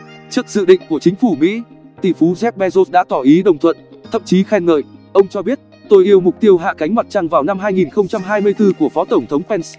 trước dự định của chính phủ mỹ tỷ phú jeff bezos đã tỏ ý đồng thuận thậm chí khen ngợi ông cho biết tôi yêu mục tiêu hạ cánh mặt trăng vào năm của phó tổng thống pence